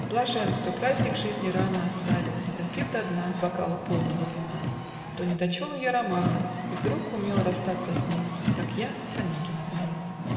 Блажен, кто праздник жизни рано Оставил, не допив до дна Бокала полного вина, Кто не дочел ее романа И вдруг умел расстаться с ним, Как я с Онегиным моим.